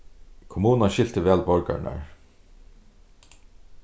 kommunan skilti væl borgararnar